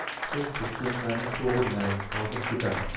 siz hujjatlarni to'g'rilang hozir ketamiz